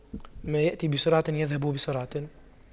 ما يأتي بسرعة يذهب بسرعة